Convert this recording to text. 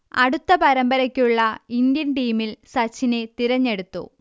അടുത്ത പരമ്പരക്കുള്ള ഇന്ത്യൻ ടീമിൽ സച്ചിനെ തിരഞ്ഞെടുത്തു